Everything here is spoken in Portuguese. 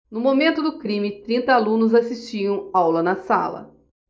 no momento do crime trinta alunos assistiam aula na sala